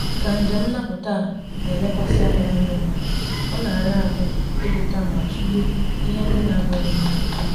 Ka njem nnapụta na-elekwasị anya na ndụ mmadụ, ọ na-ara ahụ ịgụta ma atule ihe ndị na-abụghị mmadụ.